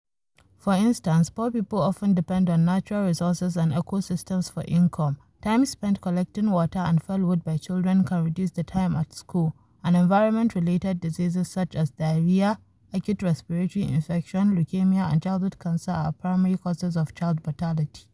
For instance, poor people often depend on natural resources and ecosystems for income; time spent collecting water and fuelwood by children can reduce the time at school; and environment-related diseases such as diarrhoea, acute respiratory infection, leukemia and childhood cancer are primary causes of child mortality.